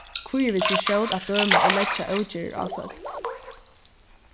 hví eru vit so skjót at døma og leggja ógerðir á fólk